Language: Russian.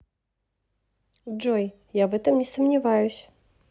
джой я в этом не сомневаюсь